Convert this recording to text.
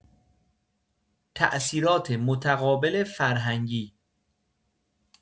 تأثیرات متقابل فرهنگی